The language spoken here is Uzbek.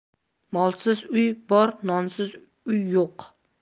molsiz uy bor nonsiz uy yo'q